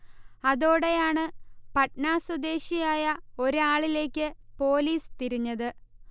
അതോടെയാണ് പാറ്റ്ന സ്വദേശിയായ ഒരാളിലേക്ക് പൊലീസ് തിരിഞ്ഞത്